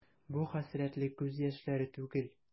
Бу хәсрәтле күз яшьләре түгел.